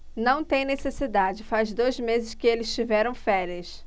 não tem necessidade faz dois meses que eles tiveram férias